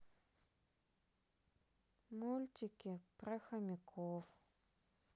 мультики про хомяков